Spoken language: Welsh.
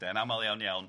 yn amal iawn iawn.